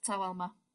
...tawel 'ma.